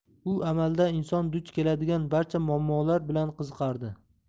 u amalda inson duch keladigan barcha muammolar bilan qiziqardi